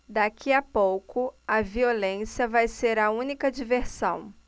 daqui a pouco a violência vai ser a única diversão